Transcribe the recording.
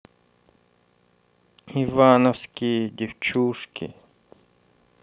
ивановские девчушки